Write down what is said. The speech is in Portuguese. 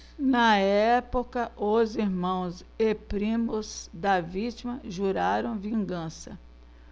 na época os irmãos e primos da vítima juraram vingança